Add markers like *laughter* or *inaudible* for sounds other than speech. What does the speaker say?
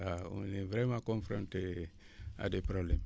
waaw on est vraiment confronté *breath* à des problèmes